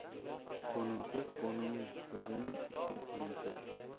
har ishning ketiga tushgan qo'liga olmay qolmas